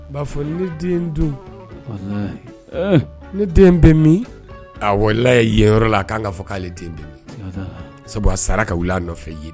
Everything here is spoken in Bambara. Baa fɔ ne den dun ne den bɛ min a walela ye yen yɔrɔ la k'an kaa fɔ k'ale den den sabu a sara ka wili a nɔfɛ jiri